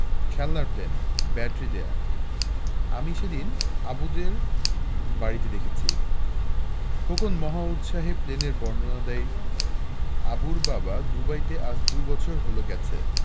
খেলনার plane battery দেয়া আমি সেদিন আবুদের বাড়িতে দেখেছি খোকন মহা উৎসাহে প্লেনের বর্ণনা দেয় আবুর বাবা দুবাইতে আজ দুবছর হলো গেছে